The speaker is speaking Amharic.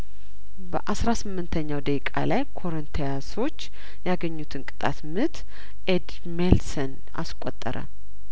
በአስራ ስምንተኛው ደቂቃ ላይ ኮረንቲ ያሶች ያገኙትን ቅጣትምት ኤድሜልሰን አስቆጠረ